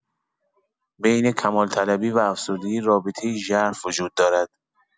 بین کمال‌طلبی و افسردگی رابطه‌ای ژرف وجود دارد.